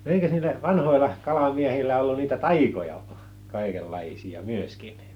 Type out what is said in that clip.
eikös niillä vanhoilla kalamiehillä ollut niitä taikoja kaikenlaisia myöskin